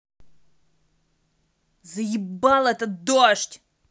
заебал этот дождь